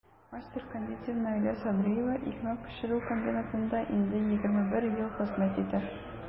Мастер-кондитер Наилә Садриева икмәк пешерү комбинатында инде 21 ел хезмәт итә.